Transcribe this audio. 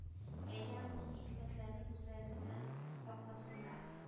Әйдә үз икмәкләрен үзләре сакласыннар